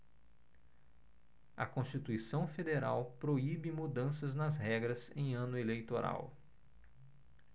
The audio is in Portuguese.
a constituição federal proíbe mudanças nas regras em ano eleitoral